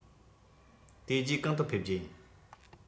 དེ རྗེས གང དུ ཕེབས རྒྱུ ཡིན